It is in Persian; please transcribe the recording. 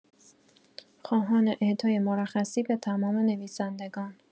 خواهان اعطای مرخصی به تمام نویسندگان